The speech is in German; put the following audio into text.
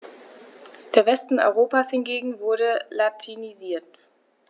Der Westen Europas hingegen wurde latinisiert.